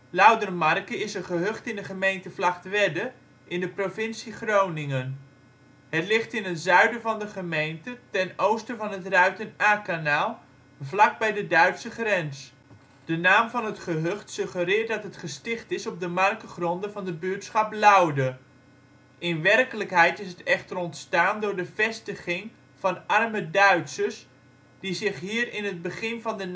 Laudermarke is een gehucht in de gemeente Vlagtwedde in de provincie Groningen. Het ligt in het zuiden van de gemeente, ten oosten van het Ruiten-Aa-kanaal, vlak bij de Duitse grens. De naam van het gehucht suggereert dat het gesticht is op de markegronden van de buurtschap Laude. In werkelijkheid is het echter ontstaan door de vestiging van arme Duitsers die zich hier in het begin van de